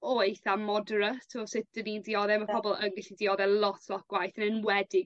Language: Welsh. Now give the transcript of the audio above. o eitha moderate o sut 'dyn ni'n diodde ma' pobol yn gallu diodde lot lot gwaeth yn enwedig